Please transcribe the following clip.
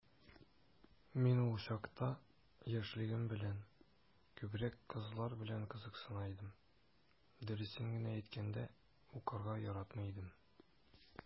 Мин ул чакта, яшьлегем белән, күбрәк кызлар белән кызыксына идем, дөресен генә әйткәндә, укырга яратмый идем...